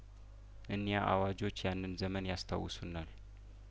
እኒያአዋጆች ያንን ዘመን ያስታውሱናል